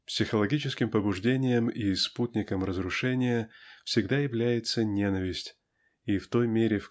Психологическим побуждением и спутником разрушения всегда является ненависть и в той мере